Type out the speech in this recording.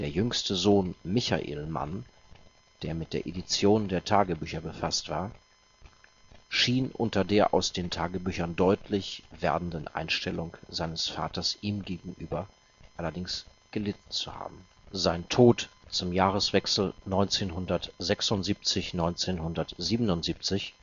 jüngste Sohn Michael Mann, der mit der Edition der Tagebücher befasst war, schien unter der aus den Tagebüchern deutlich werdenden Einstellung seines Vaters ihm gegenüber allerdings gelitten zu haben. Sein Tod zum Jahreswechsel 1976 / 1977